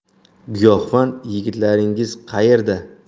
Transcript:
giyohvand yigitlaringiz qaerda